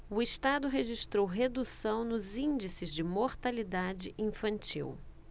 o estado registrou redução nos índices de mortalidade infantil